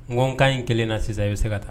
Nko n ka ɲi n 1 na sisan a bɛ se ka